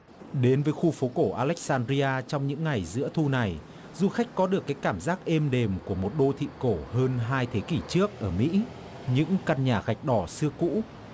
đến với khu phố cổ a lếch san ri a trong những ngày giữa thu này du khách có được cái cảm giác êm đềm của một đô thị cổ hơn hai thế kỷ trước ở mỹ những căn nhà gạch đỏ xưa cũ